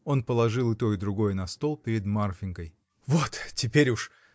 Он положил и то и другое на стол перед Марфинькой. — Вот теперь уж.